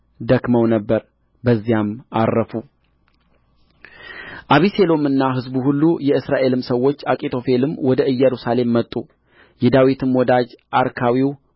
ደክመው ነበር በዚያም ዐረፉ አቤሴሎምና ሕዝቡ ሁሉ የእስራኤልም ሰዎች አኪጦፌልም ወደ ኢየሩሳሌም መጡ የዳዊትም ወዳጅ አርካዊው